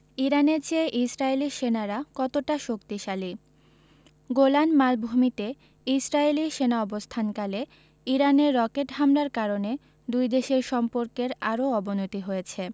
ইরানের চেয়ে ইসরায়েলি সেনারা কতটা শক্তিশালী গোলান মালভূমিতে ইসরায়েলি সেনা অবস্থানকালে ইরানের রকেট হামলার কারণে দুই দেশের সম্পর্কের আরও অবনতি হয়েছে